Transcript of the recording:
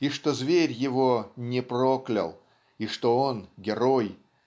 и что зверь его не проклял и что он герой